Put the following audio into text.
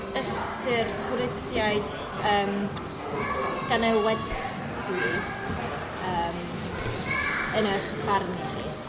ystyr twristiaeth yym gynalwedwy yym yn 'ych barn i chi?